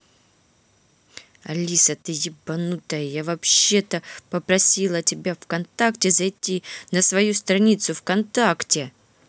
алиса ты ебанутая я вообще то попросил тебя вконтакте зайти на свою страницу вконтакте